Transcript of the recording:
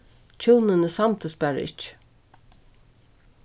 hjúnini samdust bara ikki